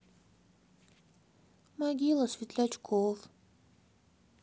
могила светлячков